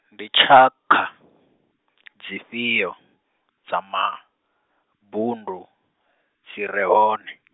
ndi tshakha, dzi fhio, dza mabundu, dzire hone?